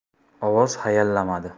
ovoz hayallamadi